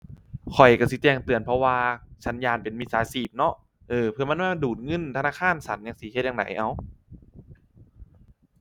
ข้อยก็สิแจ้งเตือนเพราะว่า ฉันย้านเป็นมิจฉาชีพเนาะ เอ้อ เผื่อมันมาดูดเงินธนาคารฉันจั่งซี้ เฮ็ดจั่งใดเอ้า